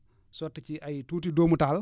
soti ci ay tuuti dóomu taal